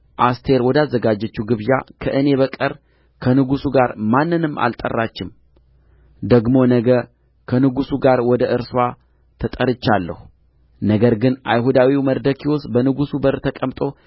አስቴር ወዳዘጋጀችው ግብዣ ከእኔ በቀር ከንጉሡ ጋር ማንንም አልጠራችም ደግሞ ነገ ከንጉሡ ጋር ወደ እርስዋ ተጠርቻለሁ ነገር ግን አይሁዳዊው መርዶክዮስ በንጉሡ በር ተቀምጦ